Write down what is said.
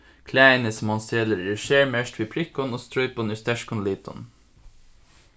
klæðini sum hon selur eru sermerkt við prikkum og strípum í sterkum litum